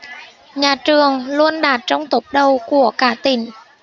nhà trường luôn đạt trong tốp đầu của cả tỉnh